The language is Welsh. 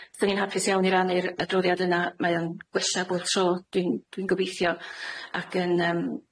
Swn i'n hapus iawn i rannu'r adroddiad yna. Mae o'n gwella bob tro dwi'n dwi'n gobeithio, ac yn yym-